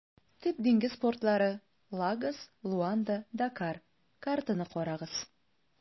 Төп диңгез портлары - Лагос, Луанда, Дакар (картаны карагыз).